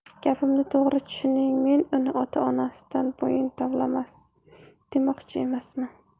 gapimni to'g'ri tushuning men uni ota onasidan bo'yin tovlasin demoqchi emasman